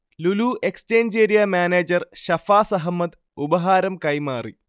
Lulu exchange area manager Shafas Ahmed ഉപഹാരം കൈമാറി